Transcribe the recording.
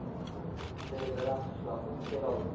serdaraxt qishloqni sel olmas